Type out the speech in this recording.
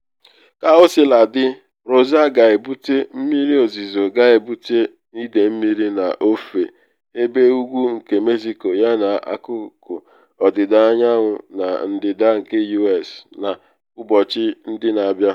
Kaosiladị, Rosa ga-ebute mmiri ozizo ga-ebute ide mmiri n’ofe ebe ugwu nke Mexico yana akụkụ ọdịda anyanwụ na ndịda nke U.S. n’ụbọchị ndị na abia.